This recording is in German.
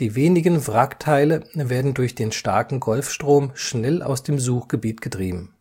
wenigen Wrackteile werden durch den starken Golfstrom schnell aus dem Suchgebiet getrieben